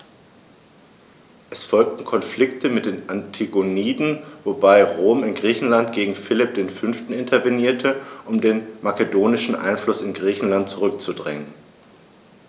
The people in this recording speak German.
Es folgten Konflikte mit den Antigoniden, wobei Rom in Griechenland gegen Philipp V. intervenierte, um den makedonischen Einfluss in Griechenland zurückzudrängen.